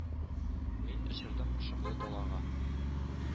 Мин очырдым шомлы далага,